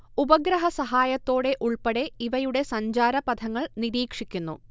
ഉപഗ്രഹ സഹായത്തോടെ ഉൾപ്പെടെ ഇവയുടെ സഞ്ചാരപഥങ്ങൾ നിരീക്ഷിക്കുന്നു